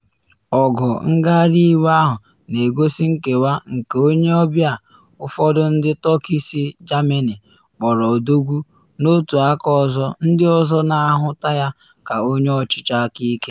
Ọgụ ngagharị iwe ahụ na egosi nkewa nke onye ọbịa ụfọdụ ndị Turkey si Germany kpọrọ odogwu n’otu aka ọzọ ndị ọzọ na ahụta ya ka onye ọchịchị akaike.